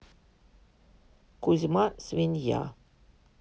кузьма свинья